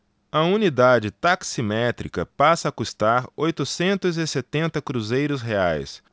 a unidade taximétrica passa a custar oitocentos e setenta cruzeiros reais